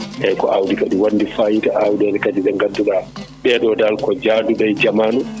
eyyi ko awdi kadi wandi fayida awɗele kadi ɗe ngannduɗaa ɗevo dal ko jaaduɗo e jaamanu